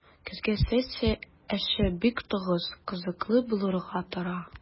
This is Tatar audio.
Көзге сессия эше бик тыгыз, кызыклы булырга тора.